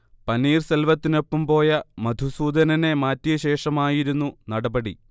പനീർസെൽവത്തിനൊപ്പം പോയ മധുസൂദനനെ മാറ്റിയ ശേഷമായിരുന്നു നടപടി